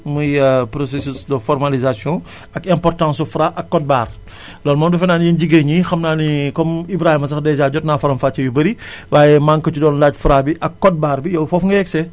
muy processus de formalisation ak importance su Fra ak code barre loolu moom defe naa ne yéen jigéen ñi xam naa ne comme Ibrahima sax dèjà jot naa faram fàccee yu bari waaye maa ngi ko ci doon laaj Fra bi ak code barre bi yow foofu nga yegsee